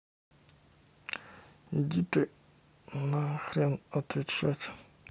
иди ты нахуй отвечать